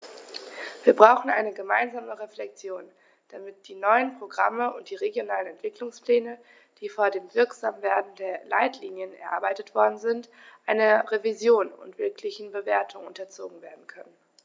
Wir brauchen eine gemeinsame Reflexion, damit die neuen Programme und die regionalen Entwicklungspläne, die vor dem Wirksamwerden der Leitlinien erarbeitet worden sind, einer Revision und wirklichen Bewertung unterzogen werden können.